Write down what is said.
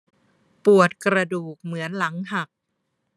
ปวดกระดูกเหมือนหลังหัก